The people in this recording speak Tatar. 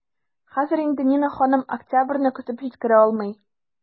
Хәзер инде Нина ханым октябрьне көтеп җиткерә алмый.